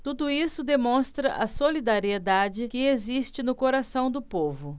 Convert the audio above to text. tudo isso demonstra a solidariedade que existe no coração do povo